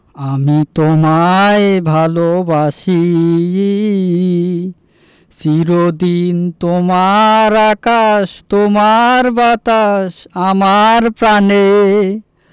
আমি তোমায় ভালোবাসি চির দিন তোমার আকাশ তোমার বাতাস আমার প্রাণে